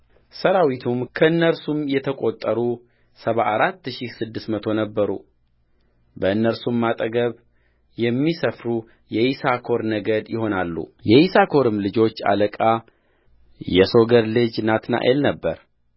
ሠራዊቱም ከእነርሱም የተቈጠሩ ሰባ አራት ሺህ ስድስት መቶ ነበሩበእነርሱም አጠገብ የሚሰፍሩ የይሳኮር ነገድ ይሆናሉ የይሳኮርም ልጆች አለቃ የሶገር ልጅ ናትናኤል ነበረ